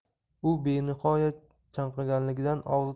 u benihoya chanqaganligidan og'zi